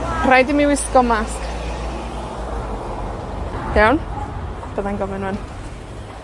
Rhaid i mi wisgo masg. Iawn? Byddai'n gofyn rŵan